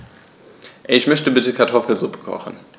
Ich möchte bitte Kartoffelsuppe kochen.